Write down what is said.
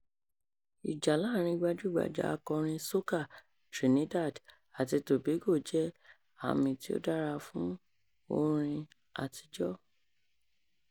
Ìjà láàárín gbajúgbajà akọrin soca Trinidad àti Tobago jẹ́ àmì tí ó dára fún orin àtijọ́